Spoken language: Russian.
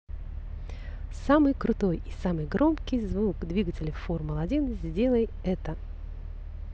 самый крутой и самый громкий звук двигателя формула один сделай это